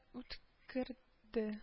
Үткерде